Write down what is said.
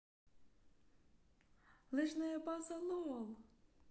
лыжная база лол